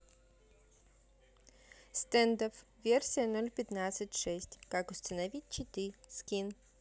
standoff версия ноль пятнадцать шесть как установить читы скин